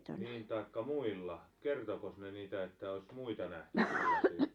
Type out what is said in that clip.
niin tai muilla kertoikos ne niitä että olisi muita nähty sellaisia